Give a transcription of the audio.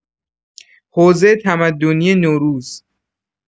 حوزه تمدنی نوروز